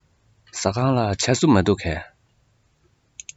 ཟ ཁང ལ ཇ སྲུབས མ འདུག གས